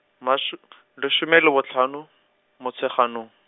masho- , lesome le botlhano, Motsheganong.